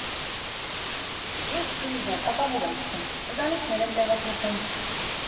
Ես, քուրիկ ջան, ապահով եմ քշում, ընտանիքներ եմ տեղափոխում։